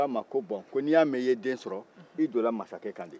o ko a ma ko bɔn ko n'i y'a mɛn ko e ye den sɔrɔ i donna masakɛ kan de